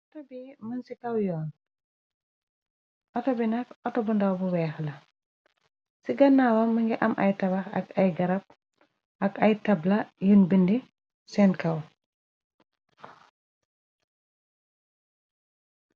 Ooto bi mingi ci kaw yoon, ooto bi nak ooto bu ndaw bu weex la, ci gannaawam mëngi am ay tabax ak ay garab, ak ay tabla yun bindi seen kaw.